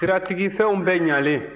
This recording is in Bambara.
siratigi fɛnw bɛɛ ɲalen